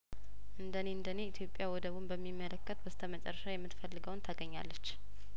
እንደኔ እንደኔ ኢትዮጵያ ወደቡን በሚመለከት በስተመጨረሻ የምት ፈልገውን ታገኛለች